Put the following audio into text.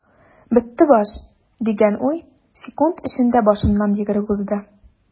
"бетте баш” дигән уй секунд эчендә башыннан йөгереп узды.